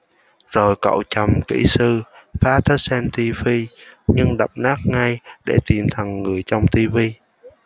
rồi cậu trầm kỹ sư phá thích xem ti vi nhưng đập nát ngay để tìm thằng người trong ti vi